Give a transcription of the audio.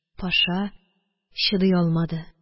Паша чыдый алмады: